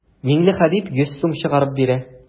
Миңлехәбиб йөз сум чыгарып бирә.